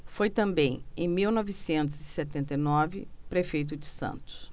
foi também em mil novecentos e setenta e nove prefeito de santos